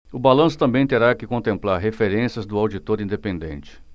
o balanço também terá que contemplar referências do auditor independente